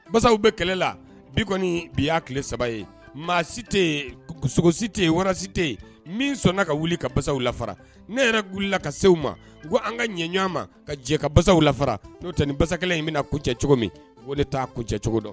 Basaw bɛ kɛlɛ la bi kɔni bi' tile saba ye maa si tɛ sogosi tɛ yen wasi tɛ yen min sɔnna ka wuli ka basaw lara ne yɛrɛ g wilila ka sew ma ko an ka ɲɛ ɲɔgɔn ma ka jɛ ka basaw lafara n'o tɛ ni bakɛ in bɛna ku cɛ cogo min o de taa ku cɛ cogo dɔn